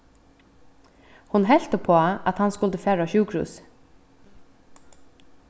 hon helt uppá at hann skuldi fara á sjúkrahúsið